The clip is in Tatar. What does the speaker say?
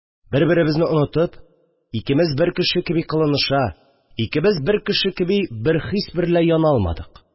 Бер-беремезне онытып, икемез бер кеше кеби кулыныша, икемез бер кеше кеби бер хис берлә яна алмадык